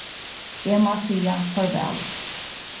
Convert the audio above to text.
eg má siga farvæl